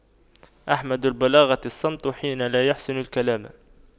أحمد البلاغة الصمت حين لا يَحْسُنُ الكلام